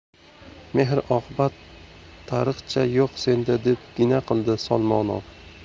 mehr oqibat tariqcha yo'q senda deb gina qildi solmonov